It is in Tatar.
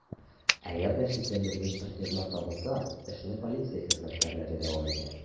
Әгәр дә шикләндергеч предметлар табылса, эшне полиция хезмәткәрләре дәвам итә.